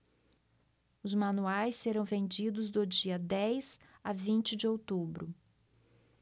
os manuais serão vendidos do dia dez a vinte de outubro